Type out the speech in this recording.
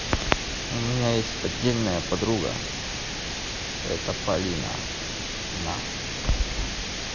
у меня есть поддельная подруга это полина на